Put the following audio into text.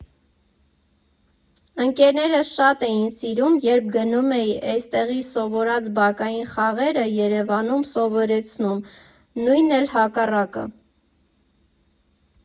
Ընկերներս շատ էին սիրում, երբ գնում էի էստեղի սովորած բակային խաղերը Երևանում սովորեցնում, նույնն էլ հակառակը։